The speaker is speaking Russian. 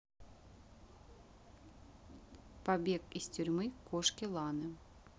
побег из тюрьмы кошки ланы